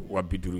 Wa bi duuru.